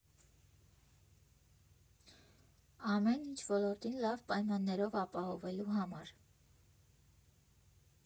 Ամեն ինչ ոլորտին լավ պայմաններով ապահովելու համար։